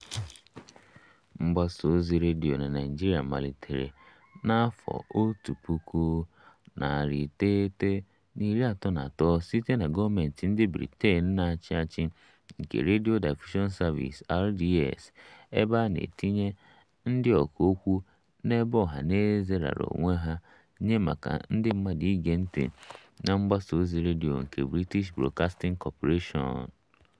Mgbasa ozi redio na Naịjirịa malitere na 1933 site na gọọmentị ndị Britain na-achị achị nke Radio Diffusion Service (RDS), ebe a na-etinye ndị ọkà okwu na ebe ọha na eze raara onwe ha nye maka ndị mmadụ ige ntị na mgbasa ozi redio nke British Broadcasting Corporation.